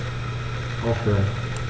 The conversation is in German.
Aufhören.